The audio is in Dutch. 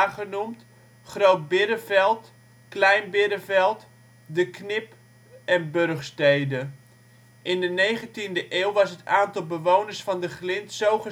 genoemd), Groot Birreveld, Klein Birreveld, De Knip en Burgstede. In de negentiende eeuw was het aantal bewoners van De Glind zo